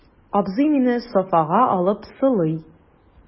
Абзый мине софага алып сылый.